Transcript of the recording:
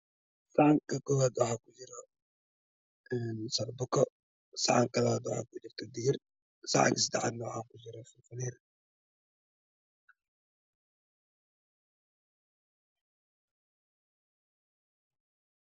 saxanka kovad waxa ku jirto en sarabako saxan ka labad waxa kujirto digir saxanka sadexad waxa kujirto timir